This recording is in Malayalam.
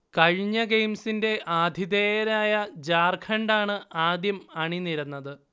കഴിഞ്ഞ ഗെയിംസിന്റെ ആതിഥേയരായ ജാർഖണ്ഡാണ് ആദ്യം അണിനിരന്നത്